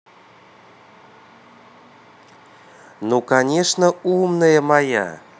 ну конечно умная моя